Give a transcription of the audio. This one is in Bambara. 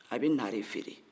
a bɛ naare feere